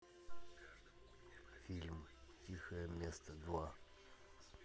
фильм тихое место два